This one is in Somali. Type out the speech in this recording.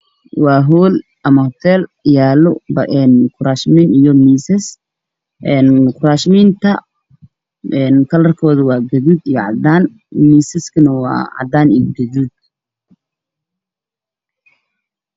Waxaa ii muuqda kuraasman caddaan iyo guduud miisaas cadaan iyo guduud